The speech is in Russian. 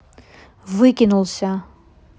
выкинулся